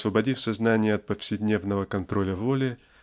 освободив сознание от повседневного контроля воли